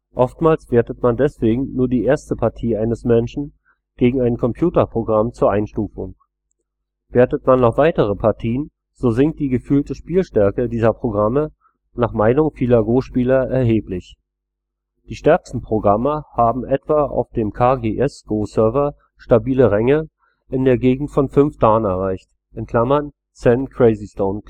Oftmals wertet man deswegen nur die erste Partie eines Menschen gegen ein Computerprogramm zur Einstufung. Wertet man noch weitere Partien, so sinkt die gefühlte Spielstärke dieser Programme nach Meinung vieler Gospieler erheblich. Die stärksten Programme haben etwa auf dem KGS Go Server stabile Ränge in der Gegend von 5 Dan erreicht (Zen, Crazystone